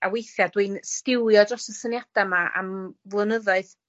a weithia' dwi'n stiwio dros y synaida am flynyddoedd.